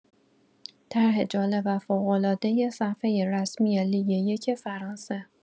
طرح جالب و فوق‌العاده صفحه رسمی لیگ یک فرانسه